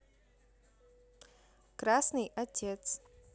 красный отец